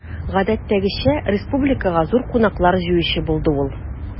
Гадәттәгечә, республикага зур кунаклар җыючы булды ул.